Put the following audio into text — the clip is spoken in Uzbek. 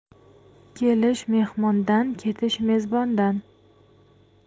kelish mehmondan ketish mezbondan